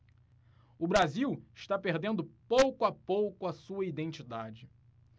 o brasil está perdendo pouco a pouco a sua identidade